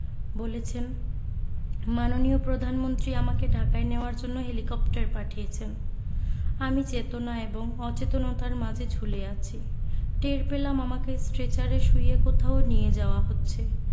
বলেছেন মাননীয় প্রধানমন্ত্রী আমাকে ঢাকায় নেওয়ার জন্য হেলিকপ্টার পাঠিয়েছেন আমি চেতনা এবং অচেতনতার মাঝে ঝুলে আছি টের পেলাম আমাকে স্ট্রেচারে শুইয়ে কোথাও নিয়ে যাওয়া হচ্ছে